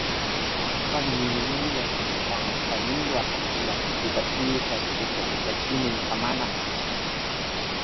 พอดีมีเรื่องจำเป็นต้องใช้เงินด่วนครับ พอดีอยากสิปิดบัญชี เพื่อสิไปเปิดอีกบัญชีหนึ่งประมาณนั่นล่ะครับ